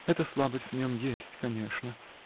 Эта слабость в нем есть, конечно.